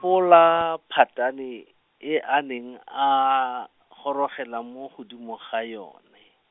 -pola phatane, e a neng a, gorogela mo godimo ga yone.